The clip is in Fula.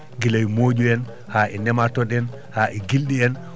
gila e mooƴu en haa e nématode en haa e gilɗi en